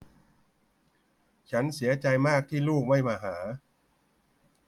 ฉันเสียใจมากที่ลูกไม่มาหา